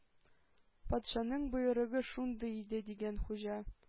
— патшаның боерыгы шундый иде,— дигән хуҗа.